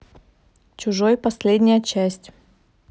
чужой последняя часть